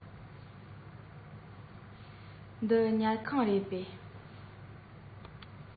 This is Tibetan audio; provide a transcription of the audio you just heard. དཔྱིད ཀ